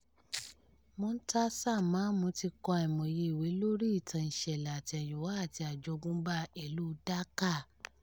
Muntasir Mamun ti kọ àìmọye ìwé lóríi ìtàn-ìṣẹ̀lẹ̀-àtẹ̀yìnwá àti àjogúnbá ìlúu Dhaka.